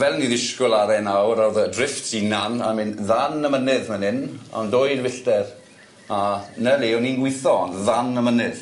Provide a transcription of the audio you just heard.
Fel o'n i ddisgwl ar e nawr o'dd y drifft hunan yn mynd ddan y mynydd fan 'yn am dwy fillter a 'na le o'n i'n gwitho on' ddan y mynydd.